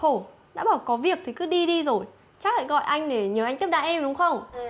khổ đã bảo có việc thì cứ đi đi rồi chắc lại gọi anh để nhờ anh tiếp đãi em đúng không